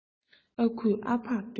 ཨ ཁུས ཨ ཕར སྟོན